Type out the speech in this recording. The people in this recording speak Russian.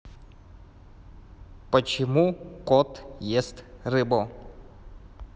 почему кот ест рыбу